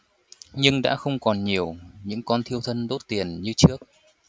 nhưng đã không còn nhiều những con thiêu thân đốt tiền như trước